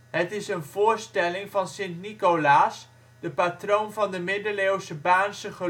Het is een voorstelling van Sint Nicolaas, de patroon van de middeleeuwse Baarnse geloofsgemeenschap